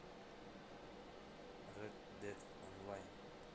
ред дет онлайн